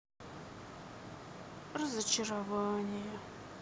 разочарование